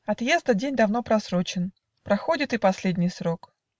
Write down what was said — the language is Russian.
Отъезда день давно просрочен, Проходит и последний срок.